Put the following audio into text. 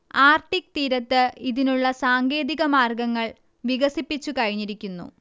Arctic തീരത്ത് ഇതിനുള്ള സാങ്കേതിക മാർഗങ്ങൾ വികസിപ്പിച്ചു കഴിഞ്ഞിരിക്കുന്നു